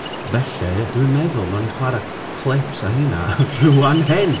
Felly, dwi'n meddwl wnawn ni chwarae clips o rheina rŵan hyn!